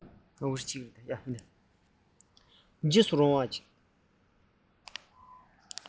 འཇིགས སུ རུང བ ནི